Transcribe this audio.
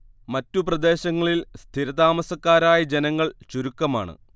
മറ്റു പ്രദേശങ്ങളിൽ സ്ഥിരതാമസക്കാരായ ജനങ്ങൾ ചുരുക്കമാണ്